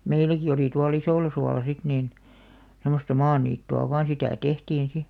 meilläkin oli tuolla Isollasuolla sitten niin semmoista maaniittyä vain sitä tehtiin sitten